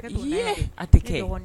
A tɛ kɛ